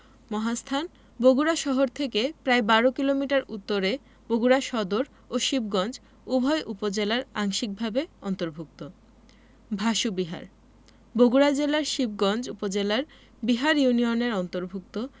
মহাস্থান বগুড়া শহর থেকে প্রায় ১২ কিলোমিটার উত্তরে বগুড়া সদর ও শিবগঞ্জ উভয় উপজেলার আংশিকভাবে অন্তর্ভুক্ত ভাসু বিহার বগুড়া জেলার শিবগঞ্জ উপজেলার বিহার ইউনিয়নের অন্তর্ভুক্ত